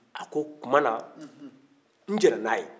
a ko o tuma na n jiɲɛna n'a ye